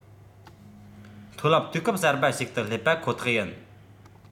མཐོ རླབས དུས སྐབས གསར པ ཞིག ཏུ སླེབས པ ཁོ ཐག ཡིན